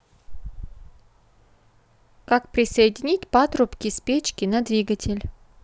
как присоединить патрубки с печки на двигатель